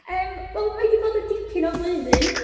Yym, wel mae hi 'di bod yn dipyn o flwyddyn.